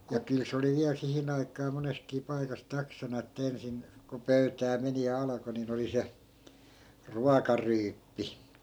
ja kyllä se oli vielä siihen aikaan monessakin paikassa taksana että ensin kun pöytään meni ja alkoi niin oli se ruokaryyppy